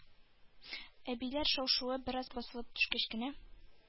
Әбиләр шау-шуы бераз басыла төшкәч кенә,